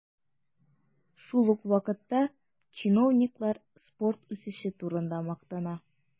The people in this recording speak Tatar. Шул ук вакытта чиновниклар спорт үсеше турында мактана.